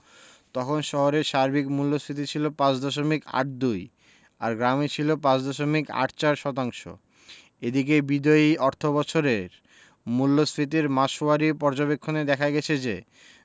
তখন শহরে সার্বিক মূল্যস্ফীতি ছিল ৫ দশমিক ৮২ আর গ্রামে ছিল ৫ দশমিক ৮৪ শতাংশ এদিকে বিদায়ী অর্থবছরের মূল্যস্ফীতির মাসওয়ারি পর্যবেক্ষণে দেখা গেছে যে